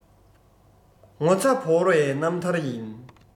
ངོ ཚ བོར བའི རྣམ ཐར ཡིན